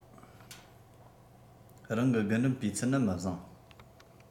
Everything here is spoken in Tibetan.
རང གི རྒུན འབྲུམ སྤུས ཚད ནི མི བཟང